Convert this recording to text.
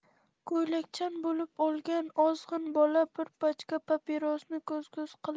ko'ylakchan bo'lib olgan ozg'in bola bir pachka papirosni ko'z ko'z qilib